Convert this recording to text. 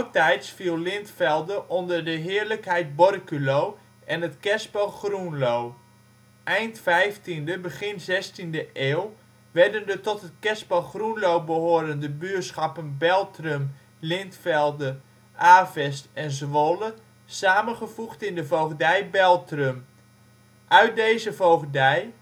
Oudtijds viel Lintvelde onder de heerlijkheid Borculo en het kerspel Groenlo. Eind 15e, begin 16e eeuw werden de tot het kerspel Groenlo behorende buurschappen Beltrum, Lintvelde, Avest en Zwolle samengevoegd in de voogdij Beltrum. Uit deze voogdij, één